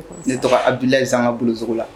Ne tɔgɔ ye Abdoulaye Zaŋa Bolozogola